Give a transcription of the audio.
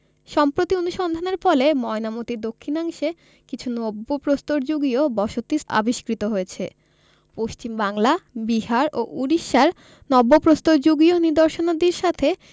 সম্প্রতি অনুসন্ধানের ফলে ময়নামতীর দক্ষিণাংশে কিছু নব্য প্রস্তরযুগীয় বসতি আবিষ্কৃত হয়েছে পশ্চিম বাংলা বিহার ও উড়িষ্যার নব্য প্রস্তর যুগীয় নিদর্শনাদির সাথে